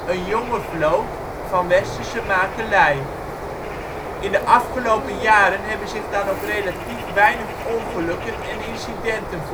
jonge vloot van Westerse makelij. In de afgelopen jaren hebben zich dan ook relatief weinig ongelukken en incidenten